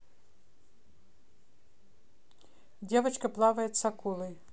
девочка плавает с акулой